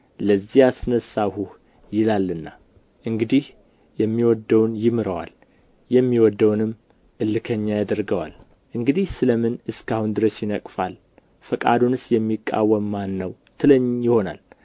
ለዚህ አስነሣሁህ ይላልና እንግዲህ የሚወደውን ይምረዋል የሚወደውንም እልከኛ ያደርገዋል እንግዲህ ስለ ምን እስከ አሁን ድረስ ይነቅፋል ፈቃዱንስ የሚቃወም ማን ነው ትለኝ ይሆናል